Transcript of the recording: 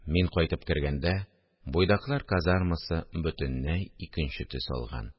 Мин кайтып кергәндә, буйдаклар казармасы бөтенләй икенче төс алган